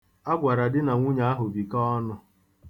A gwara di na nwunye ahụ bikọọ ọnụ.